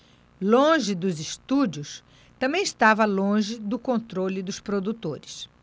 longe dos estúdios também estava longe do controle dos produtores